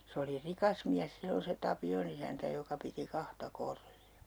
se oli rikas mies silloin se Tapion isäntä joka piti kahta Korria